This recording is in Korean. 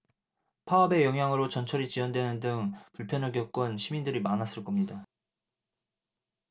파업의 영향으로 전철이 지연되는 등 불편을 겪은 시민들이 많았을 겁니다